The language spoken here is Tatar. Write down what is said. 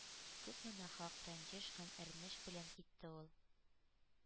Күпме нахак рәнҗеш һәм әрнеш белән китте ул г